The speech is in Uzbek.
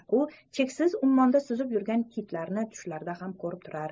u cheksiz ummonda suzib yurgan kitlarni tushlarida ko'rib turar